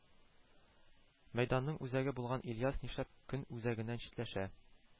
Мәйданның үзәге булган ильяс нишләп көн үзәгеннән читләшә